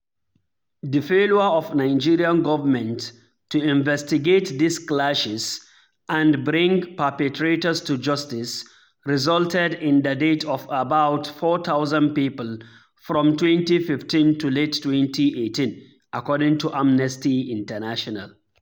The failure of the Nigerian government to investigate these clashes and "bring perpetrators to justice" resulted in the death of about 4,000 people from 2015 to late 2018, according to Amnesty International.